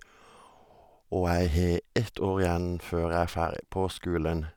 Og jeg har ett år igjen før jeg er ferdig på skolen.